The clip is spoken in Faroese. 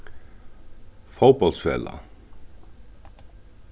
fótbóltsfelag